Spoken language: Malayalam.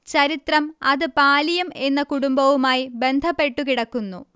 ചരിത്രം അത് പാലിയം എന്ന കുടുംബവുമായി ബന്ധപ്പെട്ടു കിടക്കുന്നു